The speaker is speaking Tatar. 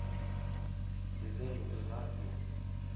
Бездә “йолдыз”лар юк.